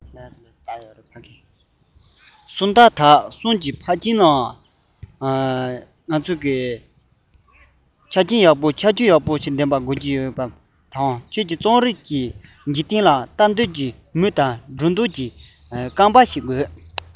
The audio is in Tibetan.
སུམ རྟགས དག གསུམ གྱི ཕ ཁྱིམ ལའང ནང བྱན ཆུབ པའི ཆ རྐྱེན ལྡན པ ནི བཤད མ དགོས པའི ཐོག ཁྱོད རང རྩོམ རིག གི འཇིག རྟེན ལ ལྟ འདོད ཀྱི མིག དང འགྲོ འདོད ཀྱི རྐང པ ལྡན དགོས